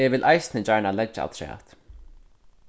eg vil eisini gjarna leggja afturat